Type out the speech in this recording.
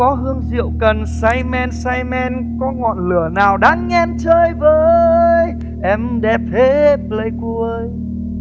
có hương rượu cần say men say men có ngọn lửa nào đang nhen chơi vơi em đẹp thế pờ lây ku ơi